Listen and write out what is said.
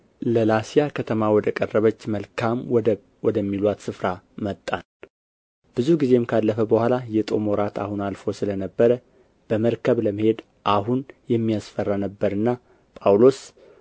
ለላሲያ ከተማ ወደ ቀረበች መልካም ወደብ ወደሚሉአት ስፍራ መጣን ብዙ ጊዜም ካለፈ በኋላ የጦም ወራት አሁን አልፎ ስለ ነበረ በመርከብ ለመሄድ አሁን የሚያስፈራ ነበርና ጳውሎስ